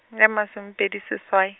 e masom- pedi seswai.